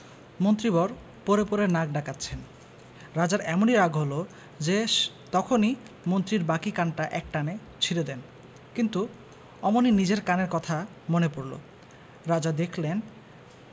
মন্ত্রীবর পড়ে পড়ে নাক ডাকাচ্ছেন রাজার এমনি রাগ হল যে তখনি মন্ত্রীর বাকি কানটা এক টানে ছিড়ে দেন কিন্তু অমনি নিজের কানের কথা মনে পড়ল রাজা দেখলেন